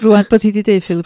Rŵan bod ti 'di deud Philip...